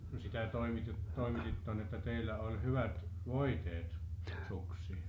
no sitä - toimititte että teillä oli hyvät voiteet suksiin